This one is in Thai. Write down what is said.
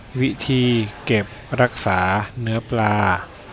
วิธีเก็บรักษาเนื้อปลา